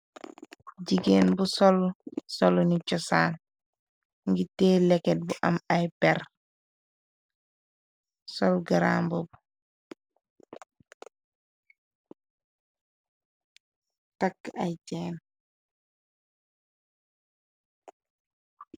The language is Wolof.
Jigéen bu sol solu ni chosaan mungi téyeh leket bu am ay per sol garam mboba bu takk ay cheen.